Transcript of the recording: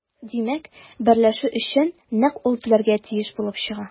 Димәк, берләшү өчен нәкъ ул түләргә тиеш булып чыга.